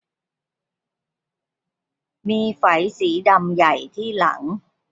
มีไฝสีดำใหญ่ที่หลัง